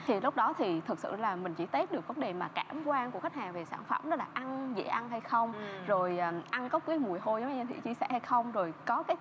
thì lúc đó thì thực sự là mình chỉ tét được vấn đề mà cảm quan của khách hàng về sản phẩm đó là ăn dễ ăn hay không rồi ăn có cái mùi hôi giống như chị chia sẻ hay không rồi có cái